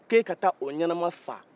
k'e ka taa o ɲɛnɛman faga